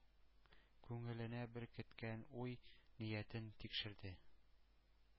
Күңеленә беркеткән уй-ниятен тикшерде.